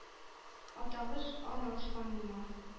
Атагыз, агагыз каныннан.